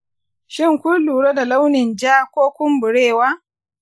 shin kun lura da launin ja ko kumburewa